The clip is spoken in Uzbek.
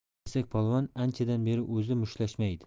kesak polvon anchadan beri o'zi mushtlashmaydi